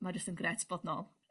mae jyst yn gret bod nôl